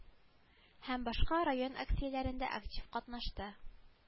Һәм башка район акцияләрендә актив катнашты